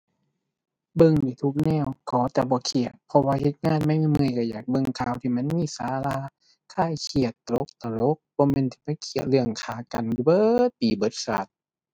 เบิ่งได้ทุกแนว ขอแต่บ่เครียด เพราะว่าเฮ็ดงานมาเมื่อยเมื่อยก็อยากเบิ่งข่าวที่มันมีสาระ คลายเครียดตลกตลก บ่แม่นที่มาเครียดเรื่องฆ่ากันอยู่เบิดปีเบิดชาติ